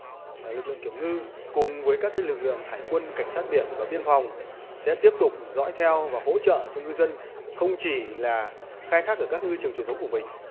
là lực lượng kiểm ngư cùng với các lực lượng hải quân cảnh sát biển và biên phòng sẽ tiếp tục dõi theo và hỗ trợ cho ngư dân không chỉ là khai thác ở ngư trường truyền thống của mình